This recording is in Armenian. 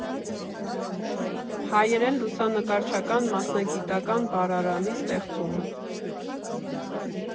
Հայերեն լուսանկարչական մասնագիտական բառարանի ստեղծումը։